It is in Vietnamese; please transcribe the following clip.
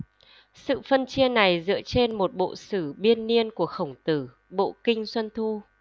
sự phân chia này dựa trên một bộ sử biên niên của khổng tử bộ kinh xuân thu